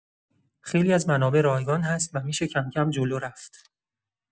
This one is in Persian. خیلی از منابع رایگان هست و می‌شه کم‌کم جلو رفت.